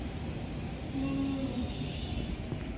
ненене